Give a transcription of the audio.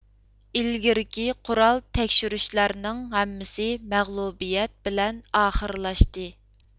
ئىلگىرىكى قورال تەكشۈرۈشلەرنىڭ ھەممىسى مەغلۇبىيەت بىلەن ئاخىرلاشتى